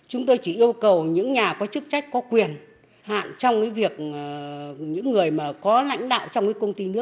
chúng tôi chỉ yêu cầu những nhà có chức trách có quyền hạn trong cái việc à những người mà có lãnh đạo trong công ty nước